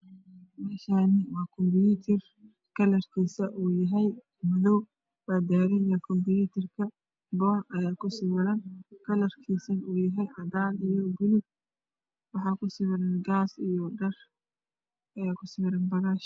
Meeshaani computerta kalarkiisa uu yahay madow waa daaran yahay computerka boor ayaa ku sawiran kalarkiisu u yahay cadaan iyo buluug waxaa ku sawiran gaas iyo dhar ayaa ku sawiran